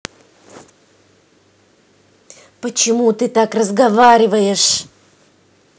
почему ты так разговариваешь